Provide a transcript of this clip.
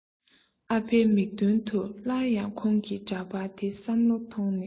ཨ ཕའི མིག མདུན དུ སླར ཡང གོང གི འདྲ པར དེ བསམ བློ ཐོངས ནས